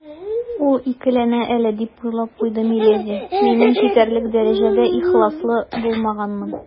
«ул икеләнә әле, - дип уйлап куйды миледи, - минем җитәрлек дәрәҗәдә ихласлы булмаганмын».